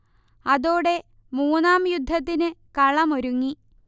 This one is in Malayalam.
അതോടെ മൂന്നാം യുദ്ധത്തിന് കളമൊരുങ്ങി